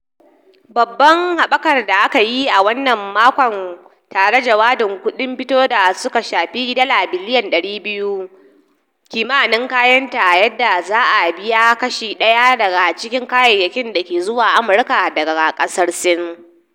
Babban haɓakar da aka yi a wannan makon tare jadawalin kuɗin fito da suka shafi dala biliyan 200 (£150 biliyan) kimanin kayan, ta yadda za a biya kashi ɗaya daga cikin kayayyaki da ke zuwa Amurka daga kasar Sin.